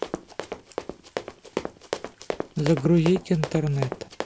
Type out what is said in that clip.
загрузить интернет